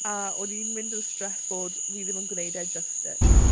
A o'n i'n mynd yn stressed bod fi ddim yn gwneud e justice.